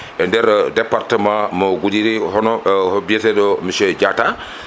e nder département mo Goudiry hono biyeteɗo monsieur Diatta